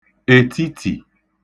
ètitì